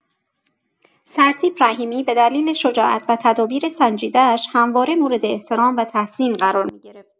سرتیپ رحیمی به دلیل شجاعت و تدابیر سنجیده‌اش همواره مورد احترام و تحسین قرار می‌گرفت.